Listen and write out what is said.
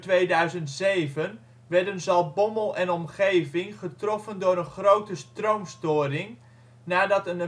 12 december 2007 werden Zaltbommel en omgeving getroffen door een grote stroomstoring nadat een